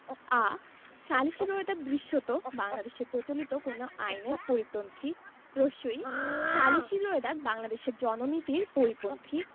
আ সালিসী রোয়েদাদ দৃশ্যত বাংলাদেশে প্রচলিত কোন আইনের পরিপন্থী ই সালিসী রোয়েদাদ বাংলাদেশের জননীতির পরিপন্থী